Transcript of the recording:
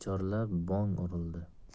chorlab bong urildi